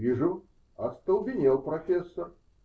-- Вижу: остолбенел профессор.